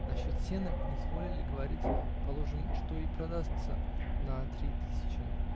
Насчет сена изволили говорить, положим, что и продастся на три тысячи.